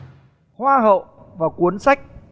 hoa hậu và cuốn sách